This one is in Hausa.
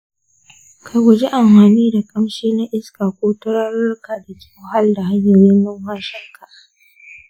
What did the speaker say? ka guji amfani da ƙamshi na iska ko turaruka da ke wahalar hanyoyin numfashinka.